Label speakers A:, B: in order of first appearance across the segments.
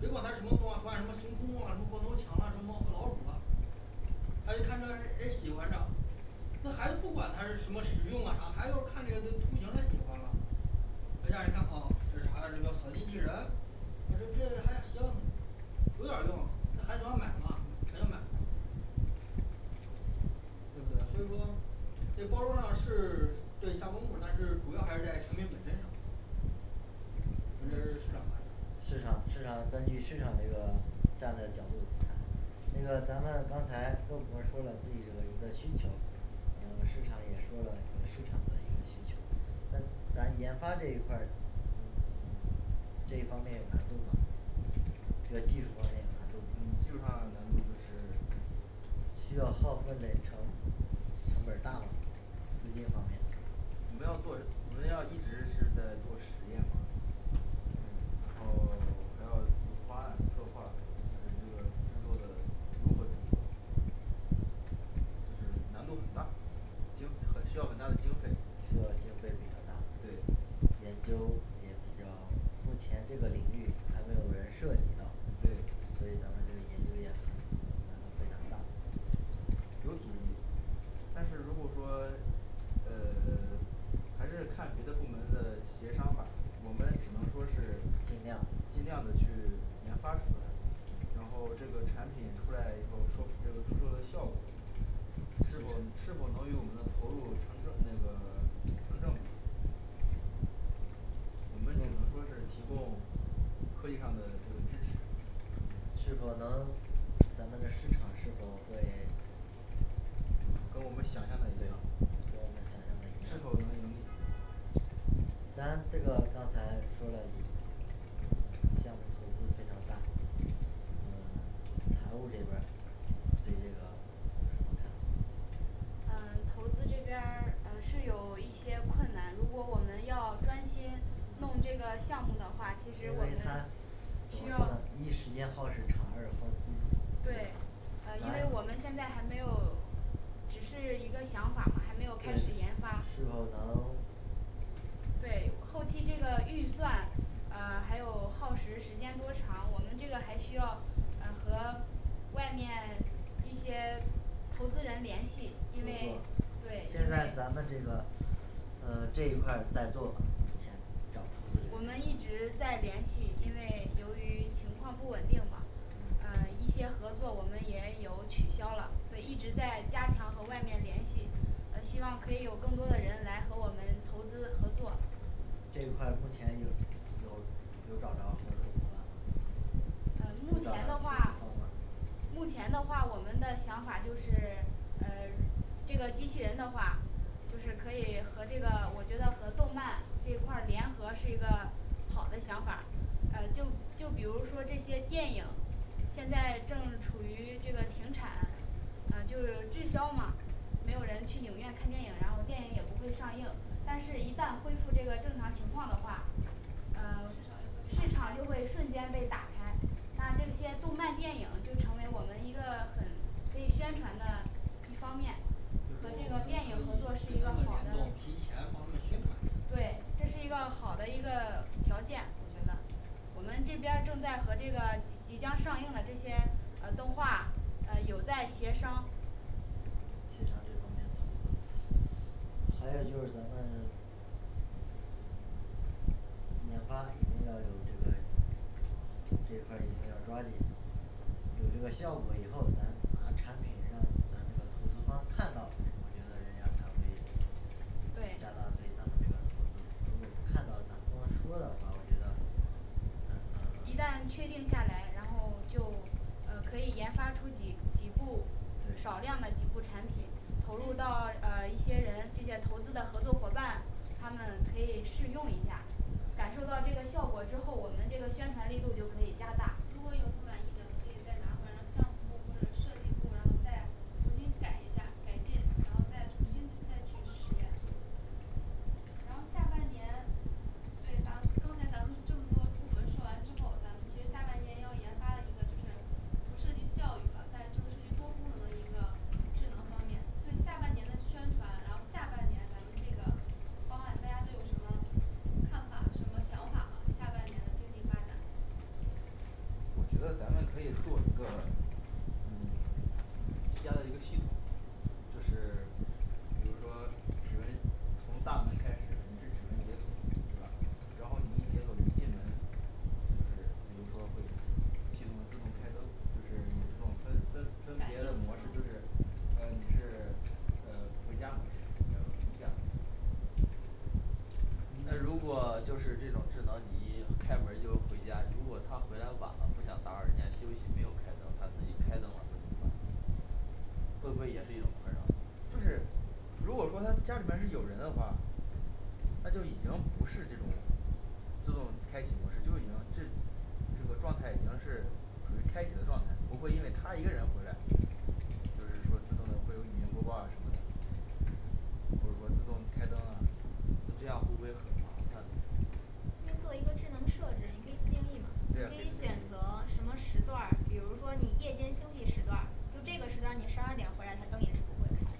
A: 别管它是什么图案什么熊出没，什么光头强啊什么猫和老鼠啊他一看就是诶喜欢上那孩子不管它是什么实用啊还孩子要看这个这图形他喜欢吗呃家长一看哦这是啥啊这是个扫地机器人他说这还行有点儿用这还能买吗能买对不对所以说这包装上是对下功夫但是主要还是在产品本身上嗯这是市场的
B: 市场市场根据市场这个站的角度那个咱们刚才各部门儿说了自己的一个需求嗯市场也说了市场的一个需求那咱研发这一块儿嗯 这方面有难度吗这个技术方面有难度
C: 嗯
B: 吗
C: 技术上难度就是
B: 需要耗费的成成本儿大吗资金方面
C: 我们要做我们要一直是在做实验嘛
B: 嗯
C: 然后 还要有方案策划就是这个制作的如何制作就是难度很大经很需要很大的经费
B: 需要经费比较大
C: 对
B: 研究也比较目前这个领域还没有人涉及到
C: 对
B: 所以咱们这个研究也难度非常大
C: 有阻力但是如果说呃 还是看别的部门的协商吧我们只能说是
B: 尽量
C: 尽量的去研发出来然后这个产品出来以后售这个出售的效果是否是否能与我们的投入成正那个成正比我们只能说是提供科技上的这个支持
B: 是否能咱们的市场是否会
C: 跟我们想象的一样
B: 跟我们想
C: 是
B: 象的一样
C: 否能盈利
B: 咱这个刚才说了项目投资非常大嗯 财务这边儿对这个有什么看法
D: 嗯投资这边儿呃是有一些困难如果我们要专心弄这个项目的话其实
B: 因
D: 我
B: 为
D: 们
B: 它第
D: 需要
B: 一时间耗时长二耗资
D: 对呃因为我们现在还没有只是一个想法嘛还没有开始
B: 对
D: 研发
B: 是否能
D: 对后期这个预算呃还有耗时时间多长我们这个还需要呃和外面一些投资人联系
B: 合
D: 因为
B: 作
D: 对
B: 现
D: 因为
B: 在咱们这个呃这一块儿在做吧目前找投
D: 我
B: 资
D: 们
B: 人
D: 一直在联系因为由于情况不稳定嘛
B: 嗯
D: 呃一些合作我们也有取消了所以一直在加强和外面联系呃希望可以有更多的人来和我们投资合作
B: 这一块儿目前有有有找着合作伙伴吗
D: 呃目前的话目前的话我们的想法就是嗯 这个机器人的话就是可以和这个我觉得和动漫这一块儿联合是一个好的想法儿呃就就比如说这些电影现在正处于这个停产呃就滞销嘛没有人去影院看电影然后电影也不会上映但是一旦恢复这个正常情况的话嗯
E: 市
D: 市
E: 场
D: 场
E: 就
D: 就
E: 会被打开
D: 会瞬间被打开那这些动漫电影就成为我们一个很可以宣传的一方面
A: 就是说我们可以跟他
D: 和这个电影合作是一个
A: 们
D: 好
A: 联
D: 的
A: 动提前帮他们宣传
D: 对这是一个好的一个条件我觉得我们这边儿正在和这个即即将上映的这些呃动画呃有在协商
B: 协商这方面投资还有就是咱们研发一定要有这个这块儿一定要抓紧有这个效果以后咱拿产品让咱那个投资方看到我觉得人家加
D: 对
B: 大对咱们这个投资如果不看到咱光说的话我觉得
D: 一旦确定下来然后就呃可以研发出几几部少量的几部产品投入到呃一些人这些投资的合作伙伴他们可以试用一下感受到这个效果之后我们这个宣传力度就可以加大
E: 如果有不满意的可以再拿回来让项目部或者设计部然后再重新改一下改进然后再重新再去实验然后下半年对然后刚才咱们这么多部门说完之后咱们其实下半年要研发的一个就是不涉及教育了但就是涉及多功能的一个智能方面对下半年的宣传然后下半年咱们这个方案大家都有什么看法什么想法下半年的经济发展
F: 我觉得咱们可以做一个嗯居家的一个系统就是比如说指纹从大门开始你是指纹解锁对吧然后你一解锁你一进门就是比如说会系统会自动开灯就是有这种分分
E: 感
F: 分
E: 应
F: 别
E: 是
F: 的模式
E: 吧
F: 呃你是呃回家模式
C: 那如果就是这种智能仪开门儿就回家如果他回来晚了不想打扰人家休息没有开灯它自己开灯了会怎么办会不会也是一种困扰
F: 就是如果说他家里面是有人的话
C: 那就已经不是这种自动开启模式就已经这这个状态已经是处于开启的状态不会因为他一个人回来就是说自动的会有语音播报啊什么的或者说自动开灯啊那这样会不会很麻烦
G: 可以做一个智能设置也可以自定义嘛你
C: 对啊
G: 可
C: 可以
G: 以
C: 自定
G: 选择
C: 义
G: 什么时段儿比如说你夜间休息时段儿就这个时段儿你十二点回来它灯也是不会开的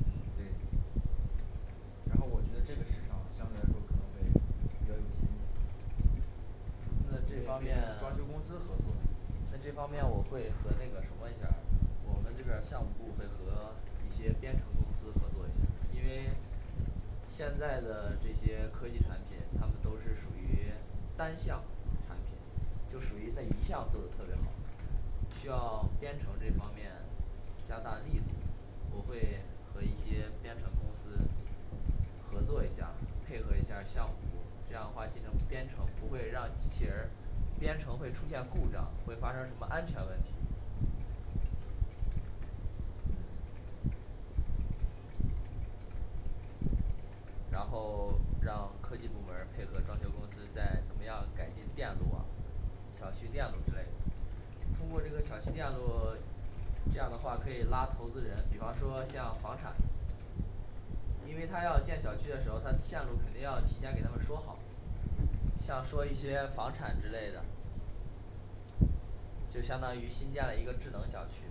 C: 嗯对
F: 然后我觉得这个市场相对来说可能会比较有前景
C: 我们也可以
F: 那这方面
C: 跟装修公司合作
F: 那这方面我会和那个什么一下儿我们这边儿项目部会和一些编程公司合作一下因为现在的这些科技产品它们都是属于单项产品就属于那一项做得特别好需要编程这方面加大力度我会和一些编程公司合作一下配合一下儿项目这样的话进行编程不会让机器人儿编程会出现故障会发生什么安全问题
E: 嗯
F: 然后让科技部门儿配合装修公司再怎么样改进电路啊小区电路之类通过这个小区电路这样的话可以拉投资人比方说像房产因为他要建小区的时候它线路肯定要提前给他们说好像说一些房产之类的就相当于新建了一个智能小区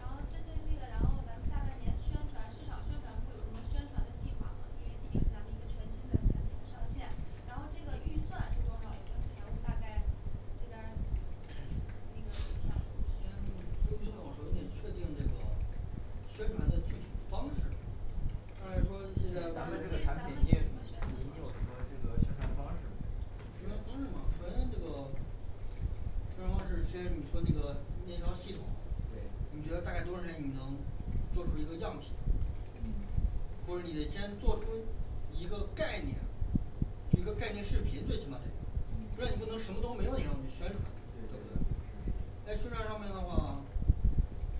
E: 然后针对这个然后咱们下半年宣传市场宣传部有什么宣传的计划吗因为毕竟是咱们一个全新的产品上线然后这个预算是多少也就是财务大概这边儿应该也需
A: 宣宣传到
E: 要
A: 时候你得确定这个宣传的具体方式大概说
C: 就
A: 这个
C: 是咱们这
A: 个
C: 个产
E: 咱们
C: 品你你
E: 有什么宣传
C: 你你有
E: 方
C: 什么
E: 式
C: 这个宣传方式吗
A: 宣传方式吧首先这宣传方式先你说那个那套系统
C: 对
A: 你觉得大概多长时间你能做出一个样品
C: 嗯
A: 或者你得先做出一个概念一个概念视频最起码得有不
F: 嗯
A: 然你不能什么都没有你让我去宣传
F: 对对
A: 在
F: 对是是
A: 宣传上面的话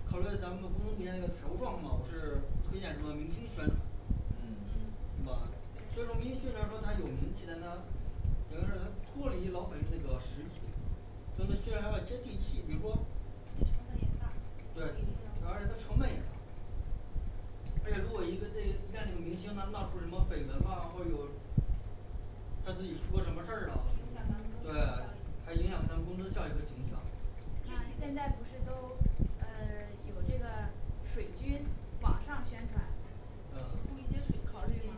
A: 考虑到咱们公司目前财务状况我是推荐说明星宣传
C: 嗯
E: 嗯
A: 是吧对
E: 对
A: 我们名气来说它有名气担当有的人脱离老百姓那个实际就那宣传要接地气比如说
E: 这成本也大
A: 对主要是它成本也大而且如果一个这一旦女明星她们闹出什么绯闻啊或有她自己出个什么事儿啊
E: 会影响咱们
A: 对
E: 公司的
A: 还影响咱们公司效益和形象
D: 那现在不是都呃 有这个水军网上宣传
E: 雇一些水
D: 考虑
E: 军
D: 吗
E: 吗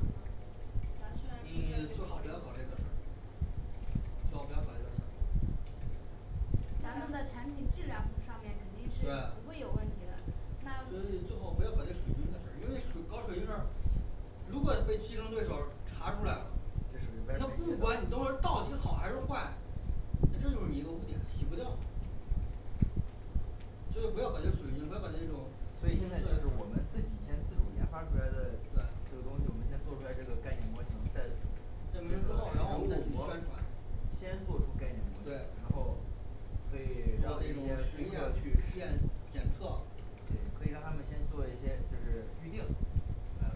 E: 咱们
A: 你
E: 现在是
A: 最好不要考虑这事儿最好不要考虑这事儿
D: 咱们的产品质量上面肯定是
A: 对
D: 不会有问题的那
A: 所以你最好不要搞这水军的事儿因为水 搞水军事儿如果被竞争对手查出来了他不管你东西到底好还是坏那这就是你一个污点洗不掉所以不要搞这水军不要搞这种
C: 所以现在就是我们自己先自主研发出来的这
A: 对
C: 个东西我们先做出来这个概念模型再实
A: 然后我们再去宣
C: 物
A: 传
C: 先做出概念模型
A: 对
C: 然后可以
A: 让那些顾客去试验检测
C: 对可以让他们先做一些就是预定
A: 嗯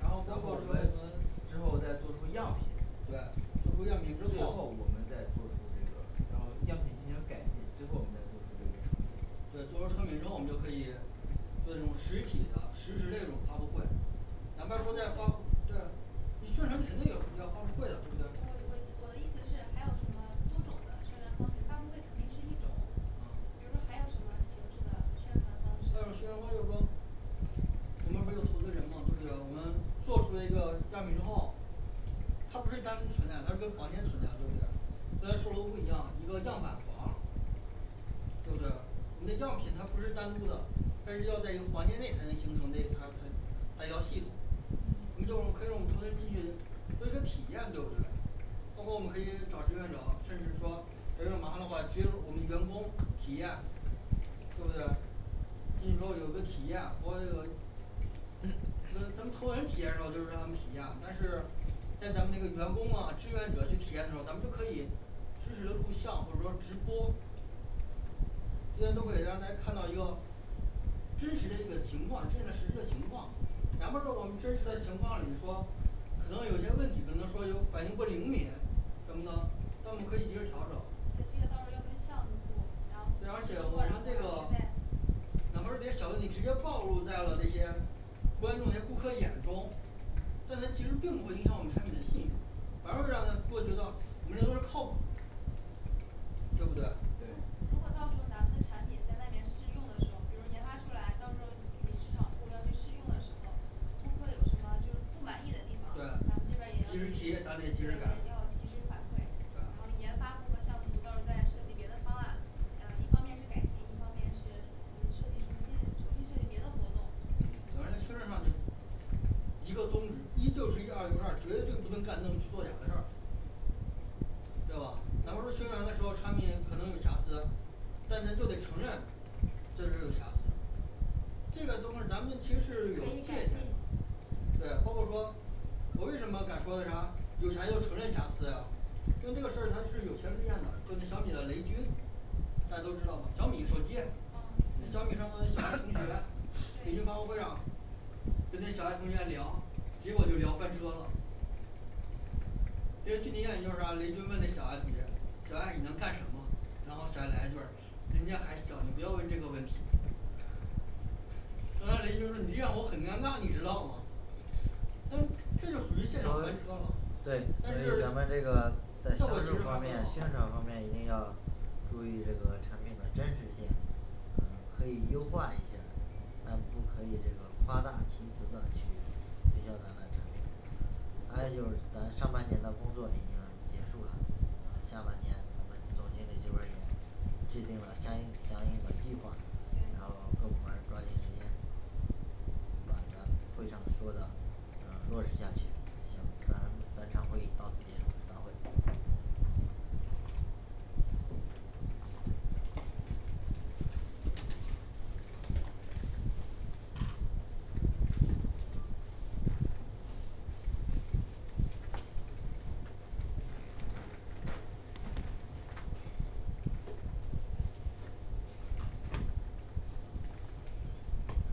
A: 然
C: 然
A: 后
C: 后我们之后再做出样品
A: 对做出样
C: 最
A: 品之后
C: 后我们再做出这个然后样品进行改进最后我们再做出这个成品
A: 对做出成品之后我们就可以做实体的实时这种发布会咱不
E: 发
A: 是
E: 布
A: 说在发布
E: 会
A: 对呀你宣传肯定有要发布会的对不
E: 我我
A: 对
E: 我的意思是还有什么多种的宣传方式发布会肯定是一种
A: 嗯
E: 比如说还有什么形式的宣传方
A: 嗯宣传
E: 式
A: 方式就说我们不是有投资人吗对不对我们做出来一个样品之后它不是单独存在的它是跟房间存在的对不对跟咱售楼部一样一个样板房对不对我们的样品它不是单独的它是要在一个环境内才能形成那它它一套系统
C: 嗯
A: 我们就可以让我们投资人进去做一个体验对不对包括我们可以找志愿者甚至说的话比如我们员工体验对不对就是说有个体验呃等投资人体验的时候就是让他们体验但是像咱们这个员工啊志愿者去体验的时候咱们就可以支持录像或者说直播这些都可以让大家看到一个真实的一个情况真实的实时的情况然后呢我们真实的情况里说可能有些问题可能说有反应不灵敏等等那我们可以及时调整
E: 对记得到时候要跟项目部然
A: 对
E: 后
A: 而
E: 说
A: 且
E: 然后
A: 我们
E: 咱们
A: 这
E: 再
A: 个哪怕是这些小问题直接暴露在了这些观众这些顾客眼中但它其实并不会影响我们产品的信誉反而会让顾客觉得我们认为是靠谱对不对
E: 如
C: 对
E: 如果到时候咱们的产品在外面试用的时候比如研发出来到时候你们市场部要去试用的时候顾客有什么就是不满意的地方
A: 对
E: 咱们这边儿也要对
A: 及
E: 对
A: 时提咱们也及时改
E: 要及时反馈然后
A: 嗯
E: 研发部和项目部到时候再设计别的方案呃一方面是改进一方面是嗯设计重新重新设计别的活动
A: 一个宗旨一就是要样儿有样儿绝对不能干弄虚作假的事儿对吧咱不是宣传的时候产品可能有瑕疵但是就得承认这是有瑕疵这个东西咱们其实
D: 可
A: 是
D: 以
A: 有界
D: 改
A: 限
D: 进
A: 的对包括说我为什么敢说那啥有啥要承认瑕疵呀因为这个事儿它是有前车之鉴的就是小米的雷军大家都知道小米手机
E: 嗯
A: 小米
E: 对
A: 上的
F: 嗯
A: 小爱同学 雷军发布会上就跟小爱同学聊结果就聊翻车了就是让雷军问这小爱同学小爱你能干什么然后小爱来一句儿人家还小你不要问这个问题然后让雷军儿你这让我很尴尬你知道吗诶这就属于现场翻车了但
B: 对就是
A: 是
B: 咱们这个在销
A: 效果其
B: 售
A: 实还
B: 方
A: 蛮
B: 面宣传
A: 好
B: 方面一定要注意这个产品的真实性嗯可以优化一下儿但不可以这个夸大其词的去推销咱们产品还有就是咱上半年的工作已经结束了然后下半年我们总经理这边儿也制定了相应相应的计划然后各部门儿抓紧时间把咱会上说的嗯落实下去行那本场会议到此结束散会